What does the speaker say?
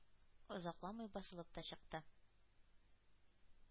Озакламый басылып та чыкты.